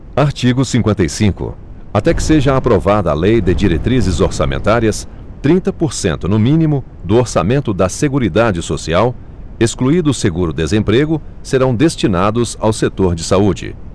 artigo cinquenta e cinco até que seja aprovada a lei de diretrizes orçamentárias trinta por cento no mínimo do orçamento da seguridade social excluído o seguro desemprego serão destinados ao setor de saúde